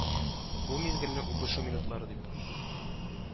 Бу мизгелне үбешү минутлары дип